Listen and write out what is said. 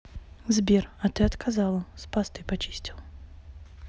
сбер а ты отказала с пастой почистил